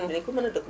dinañu ko mën a déglu